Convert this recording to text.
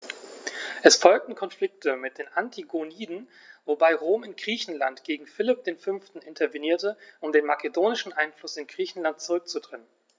Es folgten Konflikte mit den Antigoniden, wobei Rom in Griechenland gegen Philipp V. intervenierte, um den makedonischen Einfluss in Griechenland zurückzudrängen.